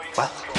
Wel?